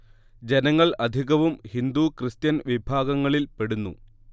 ജനങ്ങൾ അധികവും ഹിന്ദു ക്രിസ്ത്യൻ വിഭാഗങ്ങളിൽ പെടുന്നു